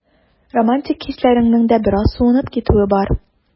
Романтик хисләреңнең дә бераз суынып китүе бар.